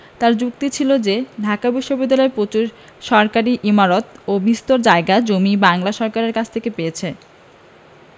তাঁর যুক্তি ছিল যে ঢাকা বিশ্ববিদ্যালয় প্রচুর সরকারি ইমারত ও বিস্তর জায়গা জমি বাংলা সরকারের কাছ থেকে পেয়েছে